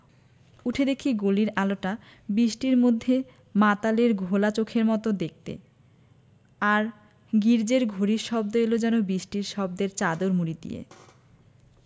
উঠে দেখি গলির আলোটা বিষ্টির মধ্যে মাতালের ঘোলা চোখের মত দেখতে আর গির্জ্জের ঘড়ির শব্দ এল যেন বিষ্টির শব্দের চাদর মুড়ি দিয়ে